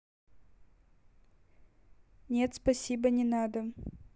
нет спасибо не надо